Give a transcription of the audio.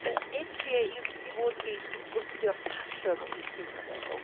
But India i fod yr un sy'n gwythio'r passion o hyd dwi'n meddwl.